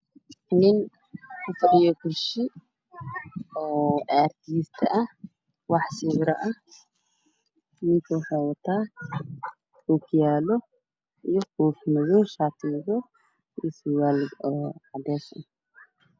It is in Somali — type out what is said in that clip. Waa nin farshaxan yaqaano sabuurad ayuu wax ku qorayaa koofe ayuu qabaa galabsi ayaa u jira gacmaha shati madow ayuu qabaan